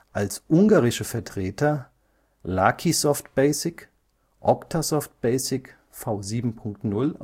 als ungarische Vertreter Lacisoft Basic, Octasoft BASIC V7.0 (1988) und Tool